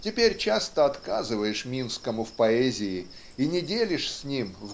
теперь часто отказываешь Минскому в поэзии и не делишь с ним